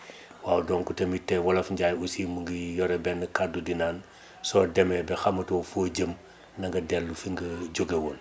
waaw donc tamit wolof Ndiaye aussi mu ngi yore benn kaddu di naan soo demee ba xamatoo foo jëm na nga dellu fi nga jóge woon